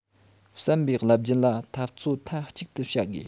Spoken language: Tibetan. བསམ པའི རླབས རྒྱུན ལ འཐབ རྩོད མཐའ གཅིག ཏུ བྱ དགོས